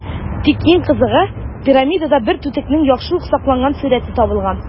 Тик иң кызыгы - пирамидада бер түтекнең яхшы ук сакланган сурəте табылган.